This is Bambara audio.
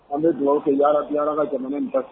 An be duwawu kɛ yarabi Ala ka jamana in basigi